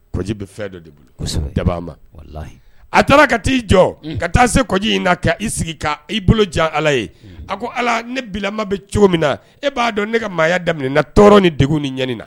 Koji bɛ fɛn dɔ de da ma a taara ka t i jɔ ka taa se koji in na ka i sigi ka i bolo jan ala ye a ko ala ne bilama bɛ cogo min na e b'a dɔn ne ka maaya daminɛ na tɔɔrɔ ni de ni ɲ na